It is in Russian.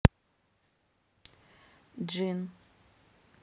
jean